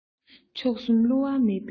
མཆོག གསུམ བསླུ བ མེད པའི ཞིང དུ